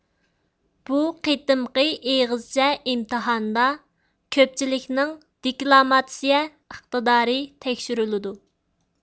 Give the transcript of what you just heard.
بۇ قېتىمقى ئېغىزچە ئىمتىھاندا كۆپچىلىكنىڭ دېكلاماتسىيە ئىقتىدارى تەكشۈرۈلىدۇ